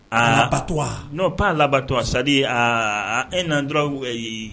Aa a tuma n'a laban to a sa aa e na dɔrɔnw wele ye